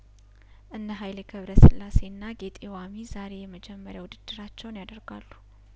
እነ ሀይሌ ገብረስላሴና ጌጤ ዋሚ ዛሬ የመጀመሪያ ውድድራቸውን ያደርጋሉ